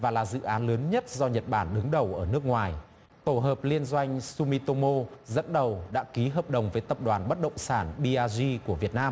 và là dự án lớn nhất do nhật bản đứng đầu ở nước ngoài tổ hợp liên doanh su mi tô mô dẫn đầu đã ký hợp đồng với tập đoàn bất động sản bi a ri của việt nam